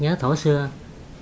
nhớ thuở xưa